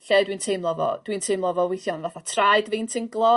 lle dwi'n teimlo fo? Dw i'n teimlo fo weithia' yn fatha traed fi'n tinglo